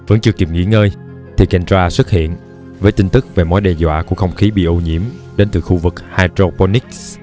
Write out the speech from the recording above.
vẫn chưa kịp nghỉ ngơi thì kendra xuất hiện với tin tức về mối đe dọa của không khí bị ô nhiễm đến từ khu vực hydroponics